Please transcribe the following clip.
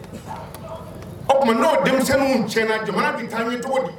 O tuma n'o denmisɛnninw cɛ na jamana bin taa cogo di